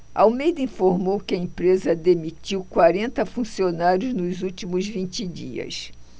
almeida informou que a empresa demitiu quarenta funcionários nos últimos vinte dias